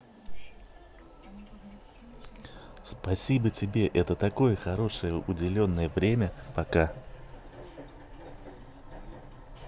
спасибо тебе это такое хорошее уделенное время пока